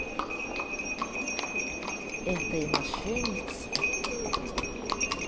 этой мошенницы